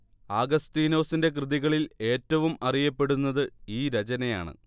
ആഗസ്തീനോസിന്റെ കൃതികളിൽ ഏറ്റവും അറിയപ്പെടുന്നത് ഈ രചനയാണ്